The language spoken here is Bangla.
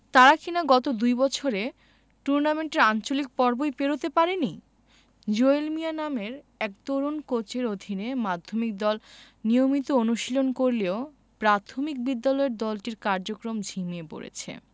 তারা কিনা গত দুই বছরে টুর্নামেন্টের আঞ্চলিক পর্বই পেরোতে পারেনি জুয়েল মিয়া নামের এক তরুণ কোচের অধীনে মাধ্যমিক দল নিয়মিত অনুশীলন করলেও প্রাথমিক বিদ্যালয়ের দলটির কার্যক্রম ঝিমিয়ে পড়েছে